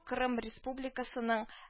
Кырым Республикасының